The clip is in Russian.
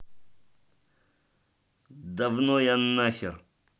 давно я нахер